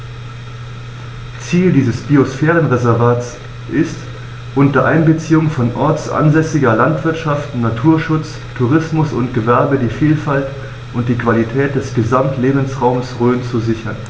Ziel dieses Biosphärenreservates ist, unter Einbeziehung von ortsansässiger Landwirtschaft, Naturschutz, Tourismus und Gewerbe die Vielfalt und die Qualität des Gesamtlebensraumes Rhön zu sichern.